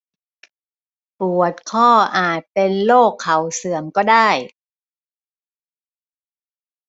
ปวดข้ออาจเป็นโรคเข่าเสื่อมก็ได้